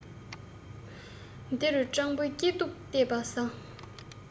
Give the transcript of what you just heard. འདི རུ སྤྲང པོའི སྐྱིད སྡུག བལྟས པ བཟང